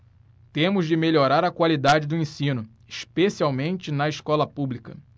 temos de melhorar a qualidade do ensino especialmente na escola pública